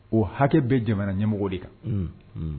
O hakɛ bɛ jamana ɲɛmɔgɔ de kan. Unhun!